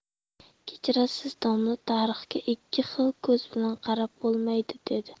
kechirasiz domla tarixga ikki xil ko'z bilan qarab bo'lmaydi dedi